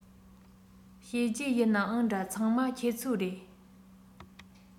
བྱས རྗེས ཡིན ནའང འདྲ ཚང མ ཁྱེད ཚོའི རེད